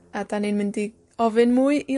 A 'dan ni'n mynd i ofyn mwy i...